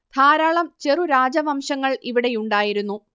ധാരാളം ചെറു രാജ വംശങ്ങൾ ഇവിടെയുണ്ടായിരുന്നു